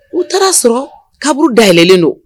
U taara sɔrɔ kaburu da yɛlɛɛlɛlen don